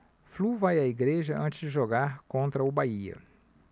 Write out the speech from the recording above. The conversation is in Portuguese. flu vai à igreja antes de jogar contra o bahia